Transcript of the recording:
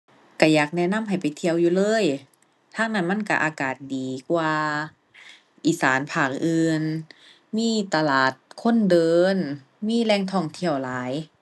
ก็อยากแนะนำให้ไปเที่ยวอยู่เลย ทางนั้นมันก็อากาศดีกว่าอีสานภาคอื่น มีตลาดคนเดิน มีแหล่งท่องเที่ยวหลาย